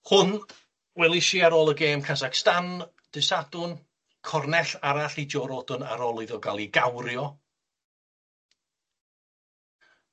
Hwn weles i ar ôl y gêm Kazakstan dy' Sadwrn, cornell arall i Joe Roden ar ôl iddo ga'l 'i gawrio.